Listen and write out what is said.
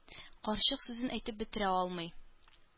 Карчык сүзен әйтеп бетерә алмый.